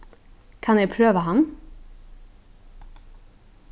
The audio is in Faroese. kann eg prøva hann